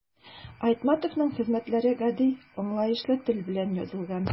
Айтматовның хезмәтләре гади, аңлаешлы тел белән язылган.